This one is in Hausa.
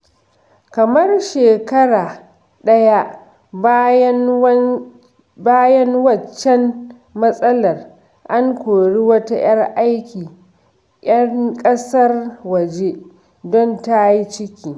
Kamar shekara ɗaya bayan waccan matsalar, an kori wata 'yar aiki 'yan ƙasar waje don ta yi ciki.